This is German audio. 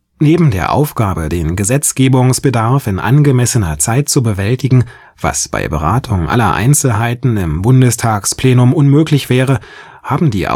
Neben der Aufgabe, den Gesetzgebungsbedarf in angemessener Zeit zu bewältigen, was bei Beratung aller Einzelheiten im Bundestagsplenum unmöglich wäre, haben die